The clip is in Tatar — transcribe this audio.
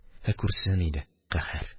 Ә күрсен иде, каһәр